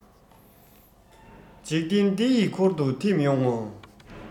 འཇིག རྟེན འདི ཡི འཁོར དུ ཐིམ ཡོང ངོ